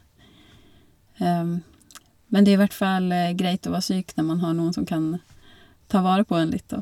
Men det er i hvert fall greit å være syk når man har noen som kan ta vare på en litt, da.